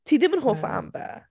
Ti ddim yn hoff o Amber?